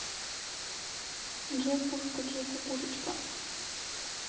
джой пушка джой кукушечка